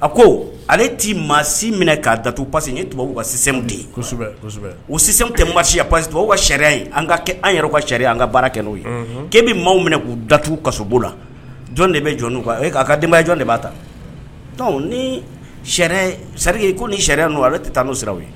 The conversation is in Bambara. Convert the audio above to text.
A ko ale t'i maasi minɛ k'a datu pasi ka tɛsi sariya an yɛrɛ ka sariya an ka baara kɛ n'o ye k'e bɛ maaw minɛ k'u datu la jɔn de bɛ jɔn''a ka denbaya ye jɔn de b'a ta ni sɛrike ko ni sariya' ale tɛ taa n' sira u ye